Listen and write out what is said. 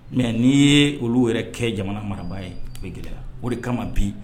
Mɛ n'i ye olu yɛrɛ kɛ jamana marabaa ye tun bɛ gɛlɛ la o de kama bi